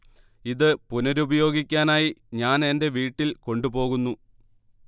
ഇത് പുനരുപയോഗിക്കാനായി ഞാൻ എന്റെ വീട്ടിൽ കൊണ്ട് പോകുന്നു